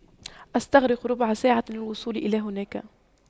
استغرق ربع ساعة للوصول إلى هناك